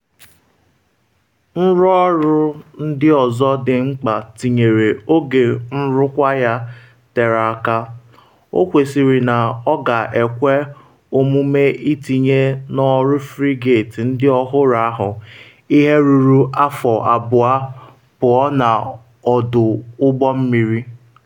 Nrụọrụ ndị ọzọ dị mkpa tinyere oge nrụkwa ya tere aka - ọ kwesịrị na ọ ga-ekwe omume itinye n’ọrụ frigate ndị ọhụrụ ahụ ihe ruru afọ abụọ pụọ na ọdụ ụgbọ mmiri.